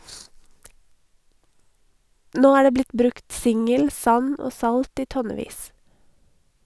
Nå er det blitt brukt singel, sand og salt i tonnevis.